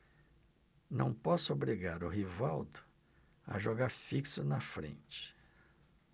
não posso obrigar o rivaldo a jogar fixo na frente